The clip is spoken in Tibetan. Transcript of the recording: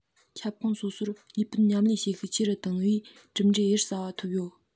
ཁྱབ ཁོངས སོ སོར གཉིས ཕན མཉམ ལས བྱེད ཤུགས ཆེ རུ བཏང བས གྲུབ འབྲས གཡུར ཟ བ ཐོབ ཡོད